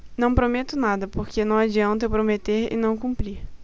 não prometo nada porque não adianta eu prometer e não cumprir